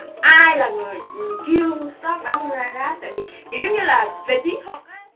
ai là người kêu sóc đánh gờ ra gát kiểu như là về chiến thuật ấy